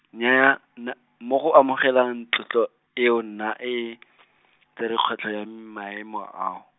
naya na-, mo go Amogelang tlotlo eo na e , tsere kgwetlho ya m- maemo ao.